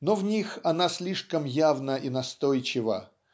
Но в них она слишком явна и настойчива